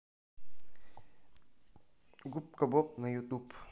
губка боб на ютуб